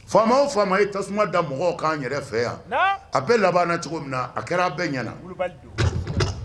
Faama o fa ye tasuma da mɔgɔw'an yɛrɛ fɛ yan a bɛ laban cogo min na a kɛra bɛɛ ɲɛna